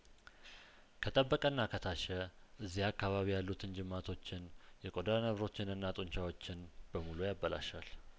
ከጠበቀና ከታሸ እዚያአካባቢ ያሉትን ጅማቶችን የቆዳ ነርቮችንና ጡንቻዎችን በሙሉ ያበላሻል